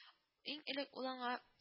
Иң элек ул аңа